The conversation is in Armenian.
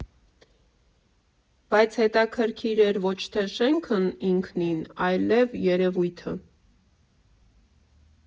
Բայց տպավորիչ էր ոչ թե շենքն ինքնին, այլ երևույթը.